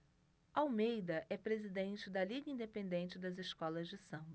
almeida é presidente da liga independente das escolas de samba